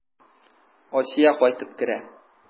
Асия кайтып керә.